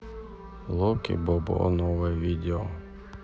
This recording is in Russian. локи бобо новое видео